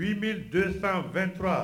Bi min don san2tura